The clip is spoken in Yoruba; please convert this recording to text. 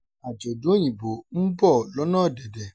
1. Àjọ̀dún Òyìnbó ń bọ̀ lọ́nà dẹ̀dẹ̀.